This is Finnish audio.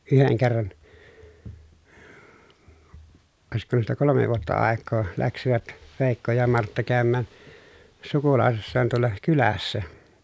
yhden kerran olisiko tuosta kolme vuotta aikaa lähtivät Veikko ja Martta käymään sukulaisissaan tuolla kylässä